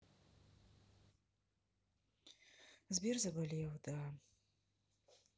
сбер заболел да